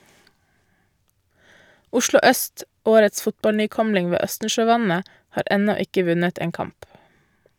Oslo Øst - årets fotballnykomling ved Østensjøvannet - har ennå ikke vunnet en kamp.